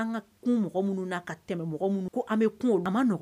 An ka kun mɔgɔ minnu n'a ka tɛmɛ mɔgɔ minnu an bɛ kun